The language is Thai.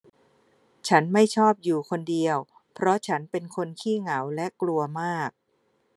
ฉันไม่ชอบอยู่คนเดียวเพราะฉันเป็นคนขี้เหงาและกลัวมาก